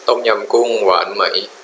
ต้มยำกุ้งหวานไหม